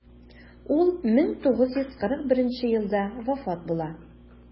Ул 1941 елда вафат була.